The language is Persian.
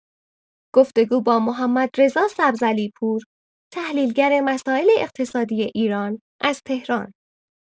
گفتگو با محمدرضا سبزعلیپور تحلیلگر مسائل اقتصادی ایران از تهران